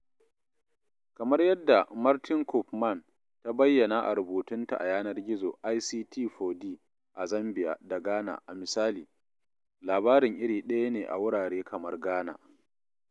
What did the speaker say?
Kamar yadda Martine Koopman ta bayyana a rubutunta a yanar gizo ICT4D a Zambia da Ghana a misali, labarin iri ɗaya ne a wurare kamar Ghana.